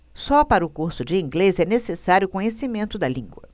só para o curso de inglês é necessário conhecimento da língua